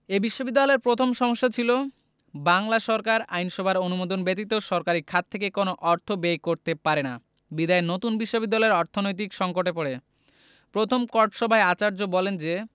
এ বিশ্ববিদ্যালয়ের প্রথম সমস্যা ছিল বাংলা সরকার আইনসভার অনুমোদন ব্যতীত সরকারি খাত থেকে কোন অর্থ ব্যয় করতে পারে না বিধায় নতুন বিশ্ববিদ্যালয় অর্থনৈতিক সংকটে পড়ে প্রথম কোর্ট সভায় আচার্য বলেন যে